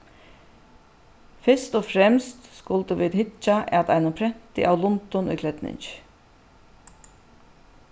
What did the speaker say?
fyrst og fremst skuldu vit hyggja at einum prenti av lundum í klædningi